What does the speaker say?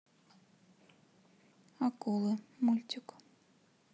акулы мультик